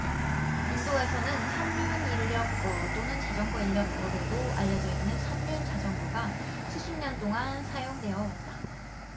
인도에서는 삼륜 인력거 혹은 자전거 인력거로도 알려져 있는 삼륜 자전거가 수십 년 동안 사용되어 왔다